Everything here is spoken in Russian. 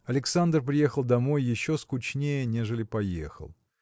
Александр приехал домой еще скучнее, нежели поехал.